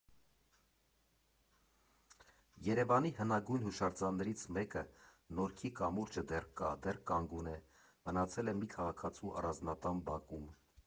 Երևանի հնագույն հուշարձաններից մեկը՝ Նորքի կամուրջը, դեռ կա, դեռ կանգուն է ֊ մնացել է մի քաղաքացու առանձնատան բակում։